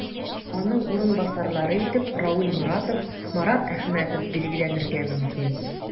Аның урынбасарлары итеп Равил Моратов, Марат Әхмәтов билгеләнергә мөмкин.